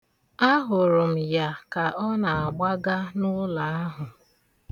Ahụrụ m ya ka ọ na-agbaga n'ụlọ ahụ.